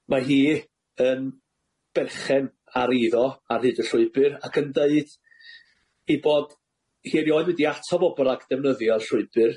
Mae hi yn berchen ar eiddo ar hyd y llwybyr, ac yn deud ei bod hi rioed wedi atal bobol rhag defnyddio'r llwybyr,